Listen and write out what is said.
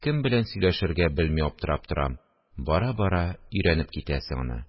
Кем белән сөйләшергә белми аптырап торам, бара-бара өйрәнеп китәсең аны